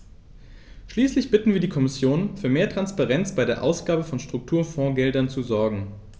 Schließlich bitten wir die Kommission, für mehr Transparenz bei der Ausgabe von Strukturfondsgeldern zu sorgen.